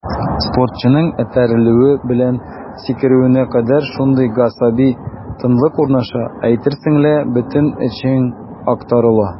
Спортчының этәрелүе белән сикерүенә кадәр шундый гасаби тынлык урнаша, әйтерсең лә бөтен эчең актарыла.